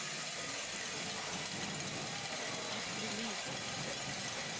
пристрели